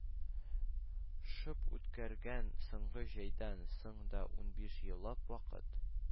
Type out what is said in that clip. Шып үткәргән соңгы җәйдән соң да унбиш еллап вакыт